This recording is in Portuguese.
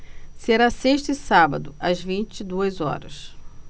será sexta e sábado às vinte e duas horas